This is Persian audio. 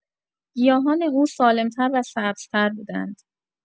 گیاهان او سالم‌تر و سبزتر بودند.